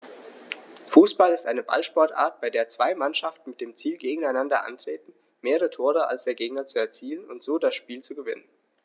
Fußball ist eine Ballsportart, bei der zwei Mannschaften mit dem Ziel gegeneinander antreten, mehr Tore als der Gegner zu erzielen und so das Spiel zu gewinnen.